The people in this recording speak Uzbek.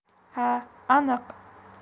ha aniq